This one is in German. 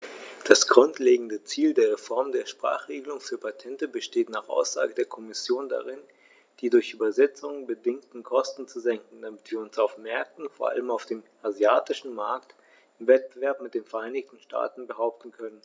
Das grundlegende Ziel der Reform der Sprachenregelung für Patente besteht nach Aussage der Kommission darin, die durch Übersetzungen bedingten Kosten zu senken, damit wir uns auf den Märkten, vor allem auf dem asiatischen Markt, im Wettbewerb mit den Vereinigten Staaten behaupten können.